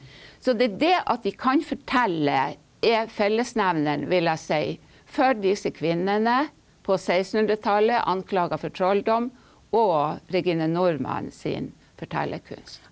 så det er det at de kan fortelle er fellesnevneren, vil jeg si, for disse kvinnene på sekstenhundretallet anklaga for trolldom og Regine Normann sin fortellerkunst.